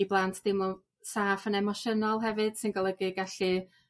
i blant deimlo'n saff yn emosiynol hefyd sy'n golygu gallu